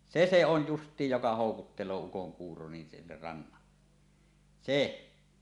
se se on justiin joka houkuttelee ukonkuuro niin sinne rannalle se